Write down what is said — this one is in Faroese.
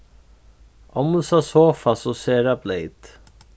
ommusa sofa so sera bleyt